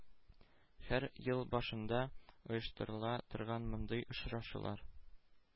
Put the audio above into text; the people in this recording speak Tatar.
Һәр ел башында оештырыла торган мондый очрашулар